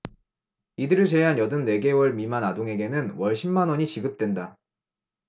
이들을 제외한 여든 네 개월 미만 아동에게는 월 십 만원이 지급된다